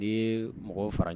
N mɔgɔ fara